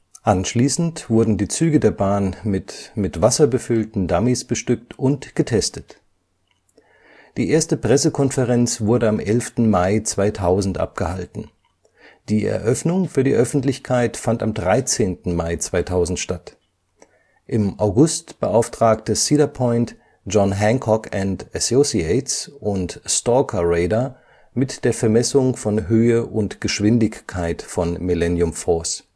Anschließend wurden die Züge der Bahn mit Wasser befüllten Dummys bestückt und getestet. Die erste Pressekonferenz wurde am 11. Mai 2000 abgehalten. Die Eröffnung für die Öffentlichkeit fand am 13. Mai 2000 statt. Im August beauftragte Cedar Point John Hancock and Associates und Stalker Radar mit der Vermessung von Höhe und Geschwindigkeit von Millennium Force